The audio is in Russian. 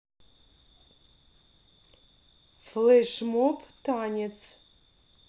флеш моб танец